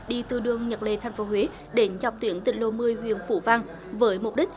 đi từ đường nhật lệ thành phố huế đến dọc tuyến tỉnh lộ mười huyện phú vang với mục đích